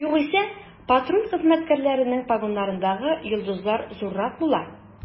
Югыйсә, патруль хезмәткәрләренең погоннарындагы йолдызлар зуррак була.